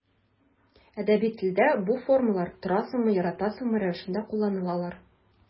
Әдәби телдә бу формалар торасыңмы, яратасыңмы рәвешендә кулланылалар.